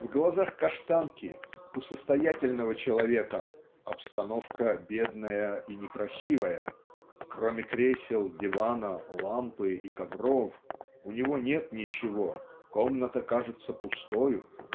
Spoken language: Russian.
В глазах Каштанки у состоятельного человека "обстановка бедная и некрасивая кроме кресел дивана лампы и ковров у него нет ничего комната кажется пустою